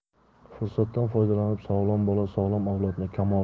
fursatdan foydalanib sog'lom bola sog'lom avlodni kamol